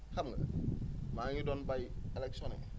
xam nga maa ngi doon béy ***